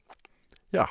Ja.